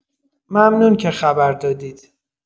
ممنون که خبر دادید.